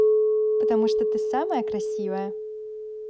потому что ты самая красивая